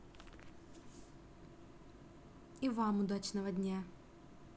и вам удачного дня